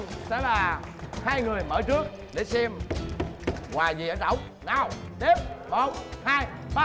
sẽ là hai người mở trước để xem quà gì ở trỏng nào đếm một hai ba